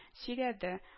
Сөйләде